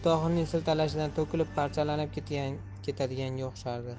tohirning siltalashidan to'kilib parchalanib ketadiganga o'xshardi